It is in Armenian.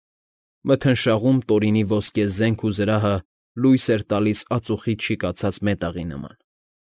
Մթնշաղում Տորինի ոսկե զենք ու զրահը լույս էր տալիս ածուխից շիկացած մետաղի նման։